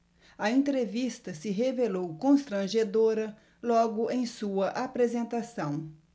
a entrevista se revelou constrangedora logo em sua apresentação